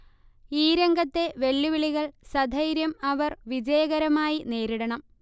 ഈ രംഗത്തെ വെല്ലുവിളികൾ സധൈര്യം അവർ വിജയകരമായി നേരിടണം